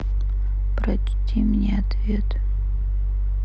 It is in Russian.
прочти мне ответ